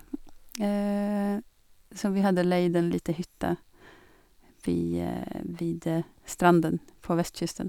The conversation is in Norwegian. Så vi hadde leid en lita hytte vi ved stranden på vestkysten.